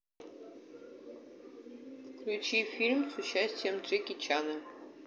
включи фильмы с участием джеки чана